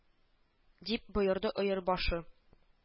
Дип боерды өербашы